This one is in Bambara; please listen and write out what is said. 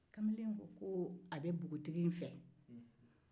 kamalen ko ko a bɛ npogotigi in fɛ